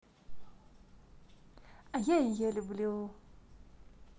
а я ее люблю